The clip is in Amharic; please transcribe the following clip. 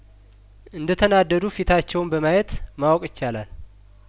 እንደ ተናደዱ ፊታቸውን በማየት ማወቅ ይቻላል